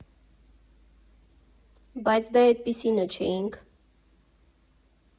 Բայց դե էտպիսինը չէինք։